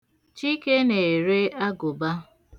Chike na-ere agụba.